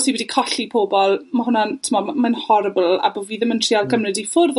sy wedi colli pobol, ma' hwnna'n, t'mod' m- ma'n horrible, a bo' fi ddim yn trial cymryd i ffwrdd o